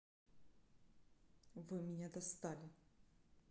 вы меня достали